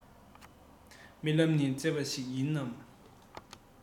རྨི ལམ ནི མཛེས པ ཞིག ཡིན ནམ